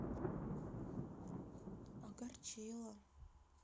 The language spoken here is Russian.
огорчило